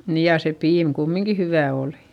niin ja se piimä kumminkin hyvää oli